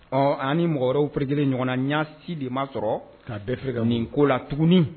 Ɔ ani mɔgɔ purpi ɲɔgɔn nasi de ma sɔrɔ ka bɛɛfe ka nin ko la tuguni